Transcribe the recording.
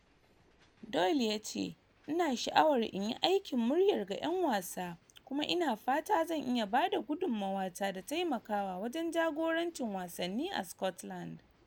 Doyle ya ce: "Ina sha’awar inyi aikin muryar ga 'yan wasa kuma ina fatan zan iya bada gudunmawata da taimakawa wajen jagorancin wasanni a Scotland."